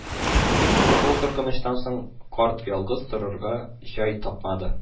Шул куркынычтан соң карт ялгыз торырга җай тапмады